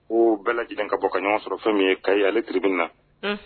O bɛɛ lajɛlen ka bɔ ka ɲɔgɔn sɔrɔ fɛn min ye ka ale tibi na